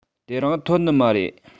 དེ རིང ཐོན ནི མ རེད